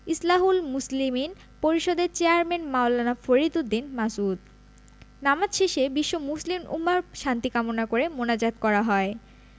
ইসলাহুল মুসলিমিন পরিষদের চেয়ারম্যান মাওলানা ফরিদ উদ্দীন মাসউদ নামাজ শেষে বিশ্ব মুসলিম উম্মাহর শান্তি কামনা করে মোনাজাত করা হয়